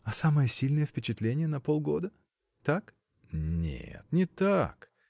— А самое сильное впечатление на полгода? Так? — Нет, не так.